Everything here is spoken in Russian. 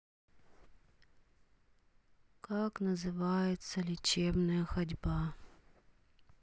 как называется лечебная ходьба